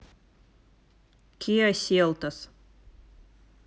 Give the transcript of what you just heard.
киа селтос